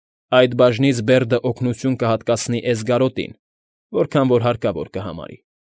Այդ բաժնից Բերդը օգնություն կհատկացնի Էսգարոտին, որքան որ հարկավոր համարի։